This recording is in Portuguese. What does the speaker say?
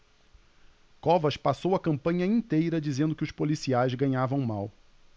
covas passou a campanha inteira dizendo que os policiais ganhavam mal